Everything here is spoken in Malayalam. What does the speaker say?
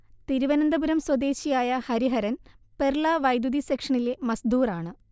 തിരുവനന്തപുരം സ്വദേശിയായ ഹരിഹരൻ പെർള വൈദ്യുതി സെക്ഷനിലെ മസ്ദൂർ ആണ്